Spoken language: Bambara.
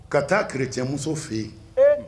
Ka taa kerecɛmuso fɛ yen